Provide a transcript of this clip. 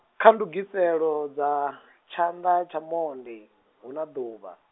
kha ndugiselo dza , tshanḓa tsha monde, hu na ḓuvha.